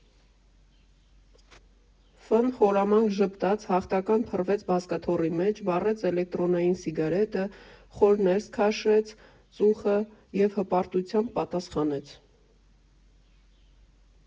Ֆ֊ն խորամանկ ժպտաց, հաղթական փռվեց բազկաթոռի մեջ, վառեց էլեկտրոնային սիգարետը, խոր ներս քաշեց ծուխը և հպարտությամբ պատասխանեց՝